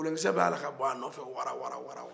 kolonkisɛ b'a la ka bɔn a nɔn fɛ wara wara